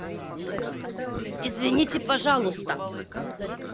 извините пожалуйста